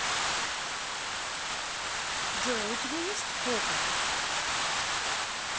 джой а у тебя есть попа